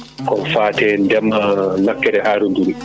ko fate ndema ngakkere haaraduru